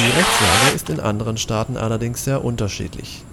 Rechtslage ist in anderen Staaten allerdings sehr unterschiedlich